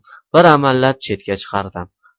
bir amallab chetga chiqardim